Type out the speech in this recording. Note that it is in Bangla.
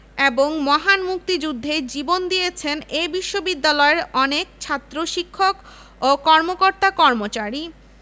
এবং মহান মুক্তিযুদ্ধে জীবন দিয়েছেন এ বিশ্ববিদ্যালয়ের অনেক ছাত্র শিক্ষক ও কর্মকর্তা কর্মচারী